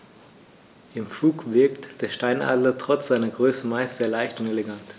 Im Flug wirkt der Steinadler trotz seiner Größe meist sehr leicht und elegant.